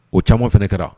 O caman fana kɛra